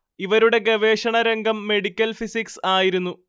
ഇവരുടെ ഗവേഷണ രംഗം മെഡിക്കൽ ഫിസിക്സ് ആയിരുന്നു